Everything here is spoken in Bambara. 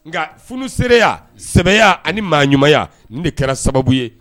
Nka f selenereya sɛbɛya ani maa ɲumanya de kɛra sababu ye